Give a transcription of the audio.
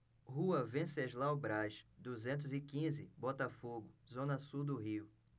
rua venceslau braz duzentos e quinze botafogo zona sul do rio